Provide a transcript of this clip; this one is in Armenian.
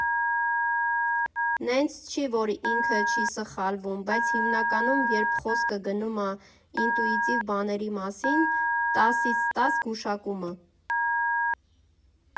Նենց չի, որ ինքը չի սխալվում, բայց հիմնականում, երբ խոսքը գնում ա ինտուիտիվ բաների մասին՝ տասից տաս գուշակում ա։